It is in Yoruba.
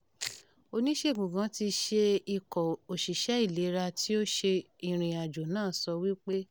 Oníṣègùn kan tí í ṣe ikọ̀ òṣìṣẹ́ ìlera tí ó ṣe ìrìnàjò náà sọ wípé: